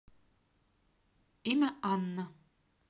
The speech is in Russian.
имя анна